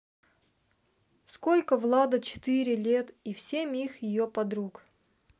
сколько влада четыре лет и всем их ее подруг